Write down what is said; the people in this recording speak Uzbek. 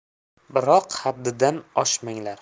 biroq haddidan oshmaganlar